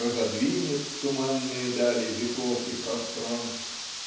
разодвинет туманные дали веков и пространств